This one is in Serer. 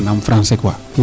manaam Francais quoi